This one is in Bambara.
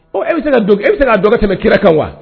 Ɔ e bɛ se ka e bɛ se ka dɔgɔ kɛmɛ kira kan wa